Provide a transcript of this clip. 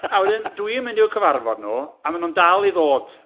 A wedyn, dwi'n mynd i'w cyfarfod nhw, a maen nhw'n dal i ddod.